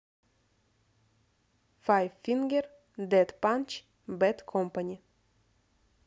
файв фингер дэд панч бэд компани